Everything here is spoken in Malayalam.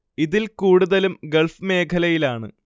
ഇതില്‍ കൂടുതലും ഗള്‍ഫ് മേഖലയിലാണ്‌